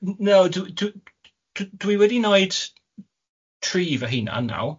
No, dw- dw- dw- dwi wedi neud tri fy hunan naw'.